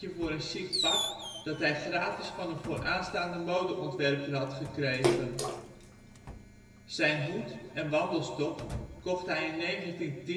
voor een chique pak dat hij gratis van een vooraanstaande modeontwerper had gekregen. Zijn hoed en wandelstok kocht hij in 1910 in